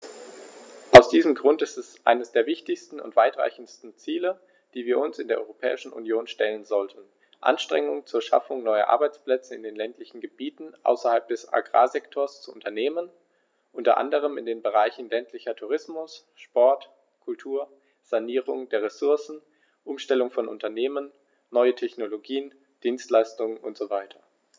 Aus diesem Grund ist es eines der wichtigsten und weitreichendsten Ziele, die wir uns in der Europäischen Union stellen sollten, Anstrengungen zur Schaffung neuer Arbeitsplätze in den ländlichen Gebieten außerhalb des Agrarsektors zu unternehmen, unter anderem in den Bereichen ländlicher Tourismus, Sport, Kultur, Sanierung der Ressourcen, Umstellung von Unternehmen, neue Technologien, Dienstleistungen usw.